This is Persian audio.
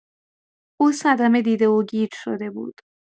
او صدمه‌دیده و گیج شده بود.